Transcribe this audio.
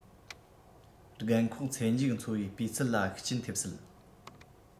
རྒན འཁོགས ཚེ མཇུག འཚོ བའི སྤུས ཚད ལ ཤུགས རྐྱེན ཐེབས སྲིད